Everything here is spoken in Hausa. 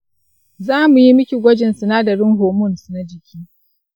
za mu yi miki gwajin sinadaran hormones na jiki.